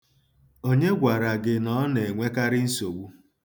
Onye gwara gị na ọ na-enwekarị nsogbu?